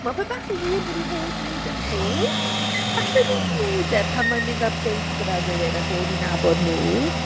Mae fe bach yn weird bod hi heb wneud e 'to ... ie ...Falle wneith hi wneud e pan mae'n mynd ar date gyda rywun a dod i nabod nhw.